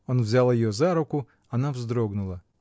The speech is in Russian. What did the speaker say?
Он взял ее за руку, она вздрогнула.